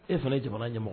E fana ye jamana ɲɛmɔgɔ